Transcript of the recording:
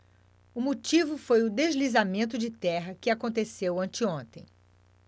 o motivo foi o deslizamento de terra que aconteceu anteontem